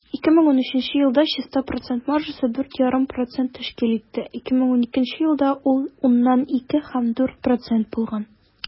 2013 елда чиста процент маржасы 4,5 % тәшкил итте, 2012 елда ул 4,2 % булган.